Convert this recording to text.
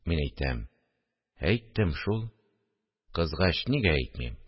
Мин әйтәм: – Әйттем шул, кызгач нигә әйтмим